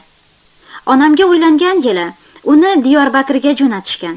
onamga uylangan yili uni diyorbakirga jo'natishgan